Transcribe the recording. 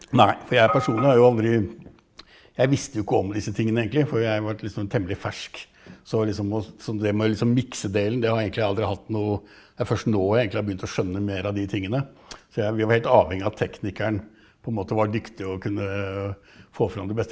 nei for jeg er personlig har jo aldri jeg visste jo ikke om disse tingene egentlig, for jeg var liksom temmelig fersk, så å liksom å så det med å liksom miksedelen det har jeg egentlig aldri hatt noe, det er først nå egentlig har begynt å skjønne mer av de tingene, så jeg vi var helt avhengige av at teknikeren på en måte var dyktig og kunne få fram det beste.